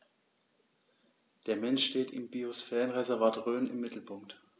Der Mensch steht im Biosphärenreservat Rhön im Mittelpunkt.